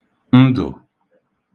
ndụ̀